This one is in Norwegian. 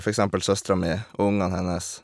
For eksempel søstera mi og ungene hennes.